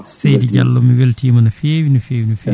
seydi Diallo mi weltima no fewi no fewi no fewi